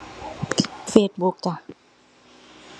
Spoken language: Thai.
Facebook จ้ะ